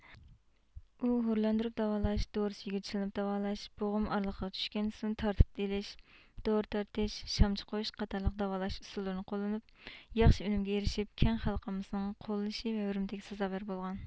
ئۇ ھورلاندۇرۇپ داۋالاش دورا سۈيىگە چىلىنىپ داۋالاش بوغۇم ئارىلىقىغا چۈشكەن سۇنى تارتىپ ئېلىش دورا تارتىش شامچە قويۇش قاتارلىق داۋالاش ئۇسۇللىرىنى قوللىنىپ ياخشى ئۈنۈمگە ئېرىشىپ كەڭ خەلق ئاممىسىنىڭ قوللىشى ۋە ھۆرمىتىگە سازاۋەر بولغان